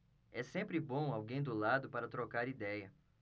é sempre bom alguém do lado para trocar idéia